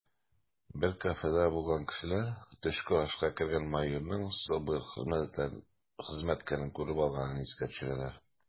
Бер кафеда булган кешеләр төшке ашка кергән майорның СОБР хезмәткәрен күреп алганын искә төшерәләр: